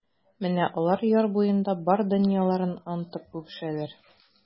Менә алар яр буенда бар дөньяларын онытып үбешәләр.